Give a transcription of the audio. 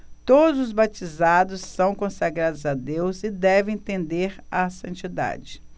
todos os batizados são consagrados a deus e devem tender à santidade